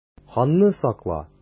Ханны сакла!